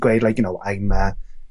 gweud *like you know I'm err